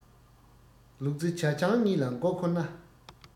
ལུག རྫི ཇ ཆང གཉིས ལ མགོ འཁོར ན